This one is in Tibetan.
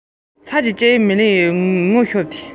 དེ ཡང མི སྣ གཙོ བོ དེའི དོན དུ ལྕེབས